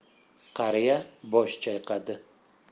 qariya bosh chayqadi